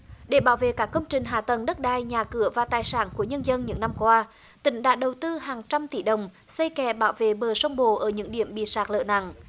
để bảo vệ các công trình hạ tầng đất đai nhà cửa và tài sản của nhân dân những năm qua tỉnh đã đầu tư hàng trăm tỷ đồng xây kè bảo vệ bờ sông bồ ở những điểm bị sạt lở nặng